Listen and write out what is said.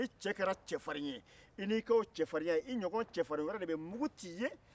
ni cɛ kɛra cɛfarin ye i n'i ka o cɛfarinya i ɲɔgɔn cɛfarin wɛrɛ de bɛ mugu ci i ye